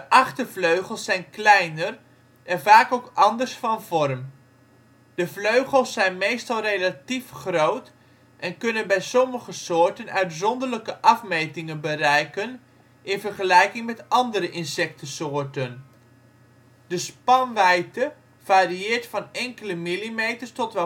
achtervleugels zijn kleiner en vaak ook anders van vorm. De vleugels zijn meestal relatief groot en kunnen bij sommige soorten uitzonderlijke afmetingen bereiken in vergelijking met andere insectensoorten. De spanwijdte varieert van enkele millimeters tot